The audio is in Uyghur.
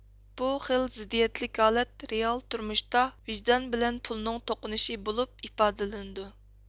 بۇ خىل زىددىيەتلىك ھالەت رېئال تۇرمۇشتا ۋىجدان بىلەن پۇلنىڭ توقۇنۇشۇشى بولۇپ ئىپادىلىنىدۇ